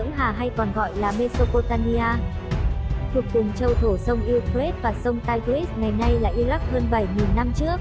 lưỡng hà hay còn gọi là mesopotania thuộc vùng châu thổ sông euphrates và sông tigris hơn năm trước